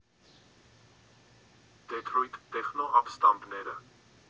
Դեթրոյթ Տեխնո ապստամբները։